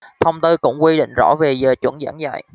thông tư cũng quy định rõ về giờ chuẩn giảng dạy